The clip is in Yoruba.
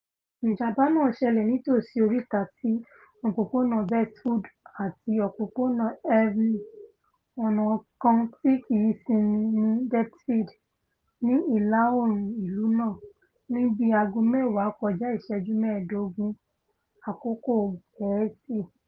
Ìjàm̀bá náà ṣẹlẹ̀ nítòsí oríta ti Òpópónà Bestwood àti Òpópònà Evelyn, ọ̀nà kàn tí kìí sinmi ní Deptfird, ní ìlà-oòrùn ìlú náà ní bíi aago mẹ́wàá kọjá ìṣẹ́gún mẹ́ẹ̀ẹ́dógún Àkókò Gẹ̀ẹ́sì.